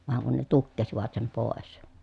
vaan kun ne tukkivat sen pois